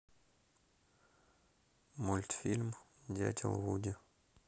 мультфильм дятел вуди